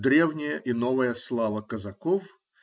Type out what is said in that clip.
Древняя и новая слава казаков.